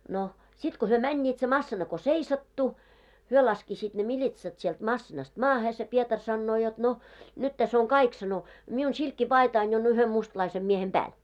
no sitten kun he menivät se masiina kun seisahtui he laskisivat ne militsat sieltä masiinasta maahan se Pietari sanoo jotta no nyt tässä on kaikki sanoi minun silkkipaitani jo on yhden mustalaisen miehen päällä